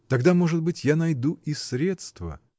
Тогда, может быть, я найду и средство.